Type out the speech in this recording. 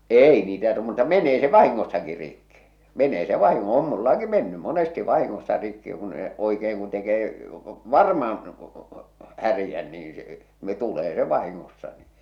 ei niitä - mutta menee se vahingossakin rikki menee se - on minullakin mennyt monesti vahingossa rikki kun - oikein kun tekee varmaan härän niin se tulee se vahingossa niin